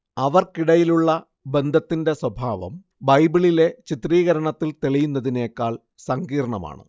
അവർക്കിടയിലുള്ള ബന്ധത്തിന്റെ സ്വഭാവം ബൈബിളിലെ ചിത്രീകരണത്തിൽ തെളിയുന്നതിനേക്കാൾ സങ്കീർണ്ണമാണ്